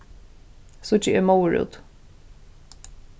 síggi eg móður út